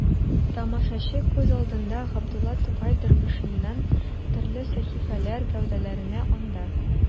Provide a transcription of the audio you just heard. Тамашачы күз алдында Габдулла Тукай тормышыннан төрле сәхифәләр гәүдәләнә анда.